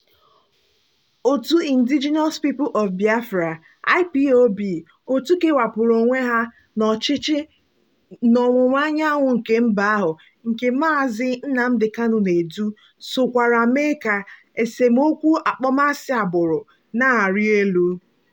Òtù Indigenous People of Biafra (IPOB), òtù kewapụrụ onwe ha n'ọchịchị n'ọwụwaanyanwụ nke mba ahụ nke Mazi Nnamdi Kanu na-edu, sokwara mee ka esemokwu akpọmasị agbụrụ na-arị elu.